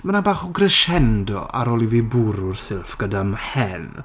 Mae na bach o crescendo ar ôl i fi bwrw'r silff gyda mhen.